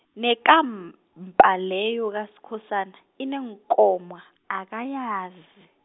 Nekam- -mpa, leyo kaSkhosana, eneenkomo, akayazi.